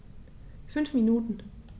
5 Minuten